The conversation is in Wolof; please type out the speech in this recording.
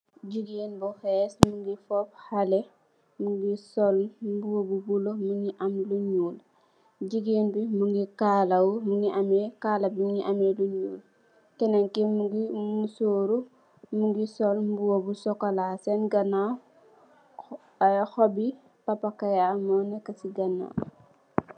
Jigeen bu hes mu gi fooup hali mu gi suol mbuba bu bulo am lu nuul jigeen bi mu gi daf Kalaa bi mu gi amhi lu nuul kanki mu gi musuro Soul mbuba bu sokola mu gi amhe ci ganaw hubepakay mu neka ci ganaw.